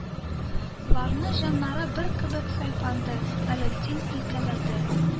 Ларны җаннары бар кебек сыйпады мәүлетдин, иркәләде